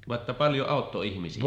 vaan että paljon auttoi ihmisiä